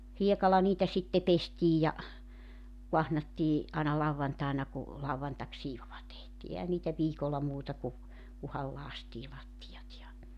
hiekalla niitä sitten pestiin ja kaahnattiin aina lauantaina kun lauantaisiivoa tehtiin eihän niitä viikolla muuta kuin kunhan lakaistiin lattiat ja